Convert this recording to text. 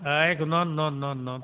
eeyi ko noon noon noon noon